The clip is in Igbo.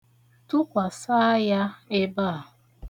Tụkwasa ya ebe a.